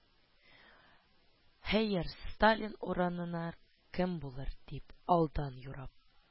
Хәер, Сталин урынына кем булыр, дип, алдан юрап